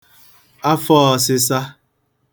afọ ọ̄sị̄sā